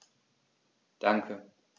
Danke.